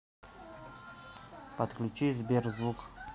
подключи сбер звук